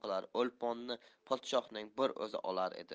qilar o'lponni podshohning bir o'zi olar edi